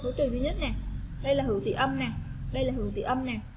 đây là hữu tỉ âm này đây là âm nè